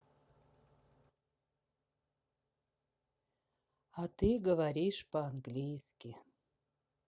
а ты говоришь по английски